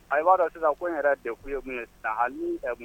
A b'a dɔn sisan ko in yɛrɛ de ye ye ta hali